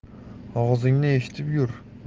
og'zingni eshitib yur